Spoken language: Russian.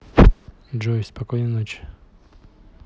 джой спокойной ночи